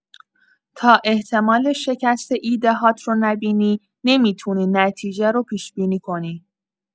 تا احتمال شکست ایده‌هات رو نبینی، نمی‌تونی نتیجه رو پیش‌بینی کنی.